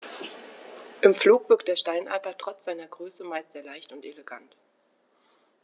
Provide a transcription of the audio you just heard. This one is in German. Im Flug wirkt der Steinadler trotz seiner Größe meist sehr leicht und elegant.